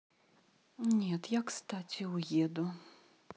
нет я кстати уеду